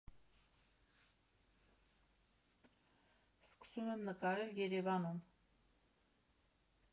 Սկսել եմ նկարել Երևանում։